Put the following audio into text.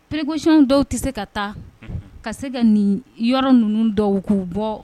Recsionw dɔw tɛ se ka taa ka se ka nin yɔrɔ ninnu dɔw k'u bɔ